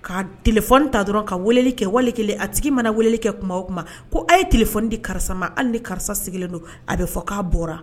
Ka telephone ta dɔrɔnw ka weeleli kɛ1 a tigi mana weleli kɛ o ko a ye di karisa ma , ni karisa sigilen don, a bɛ fɔ k'a bɔra.